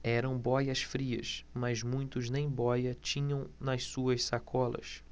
eram bóias-frias mas muitos nem bóia tinham nas suas sacolas